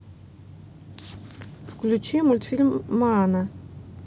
включи мультфильм моана